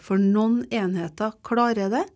for noen enheter klarer det.